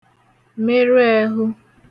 merụ ẹhu